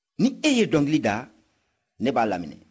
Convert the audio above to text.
ni e ye dɔnkili da ne b'a laminɛ